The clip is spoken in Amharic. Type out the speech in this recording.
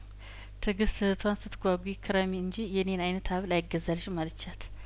ትግስት እህቷን ስትጓጉ ክረሚ እንጂ የኔን አይነት ሀብል አይገዛልሽም አለቻት